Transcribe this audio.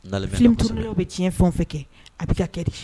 Bɛ tiɲɛ fɛn fɛ kɛ a bɛ ka kɛ